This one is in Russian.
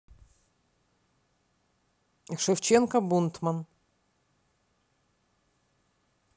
шевченко бунтман